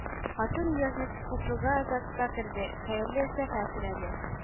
Хатын Ниязны купега озата керде, хәерле сәфәр теләде